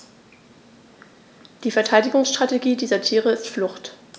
Die Verteidigungsstrategie dieser Tiere ist Flucht.